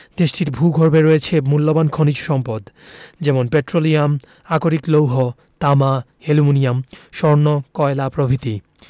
দেশটির ভূগর্ভে রয়েছে মুল্যবান খনিজ সম্পদ যেমন পেট্রোলিয়াম আকরিক লৌহ তামা অ্যালুমিনিয়াম স্বর্ণ কয়লা প্রভৃতি